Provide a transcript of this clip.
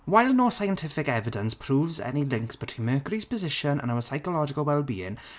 While no scientific evidence proves any links between Mercury's position and our psychological well-being...